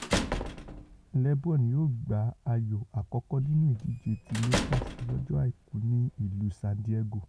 LeBron yóò gba ayò àkọ́kọ́ nínú ìdíje ti Lakers lọ́jọ́ Àìkú ni ìlú San Diego.